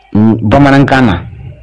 Bamanankan na